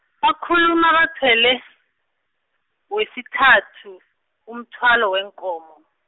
bakhuluma bathwele, wesithathu, umthwalo, weenkomo.